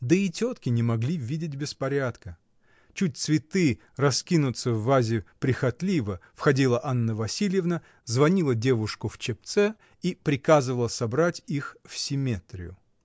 Да и тетки не могли видеть беспорядка: чуть цветы раскинутся в вазе прихотливо, входила Анна Васильевна, звонила девушку в чепце и приказывала собрать их в симметрию.